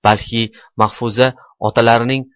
balki mahfuza otalarining